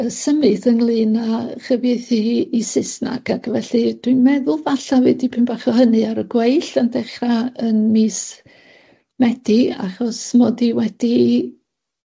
yy symud ynglŷn â chyfieithu hi i Sysnag, ac felly dwi'n meddwl falla' fydd dipyn bach o hynny ar y gweill yn dechra yn mis Medi, achos mod i wedi